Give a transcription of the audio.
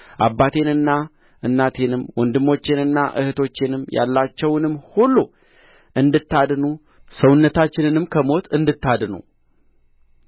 አባቴንና እናቴንም ወንድሞቼንና እኅቶቼንም ያላቸውንም ሁሉ እንድታድኑ ሰውነታችንንም ከሞት እንድታድኑ